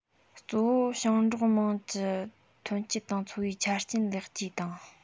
གཙོ བོ ཞིང འབྲོག དམངས ཀྱི ཐོན སྐྱེད དང འཚོ བའི ཆ རྐྱེན ལེགས བཅོས དང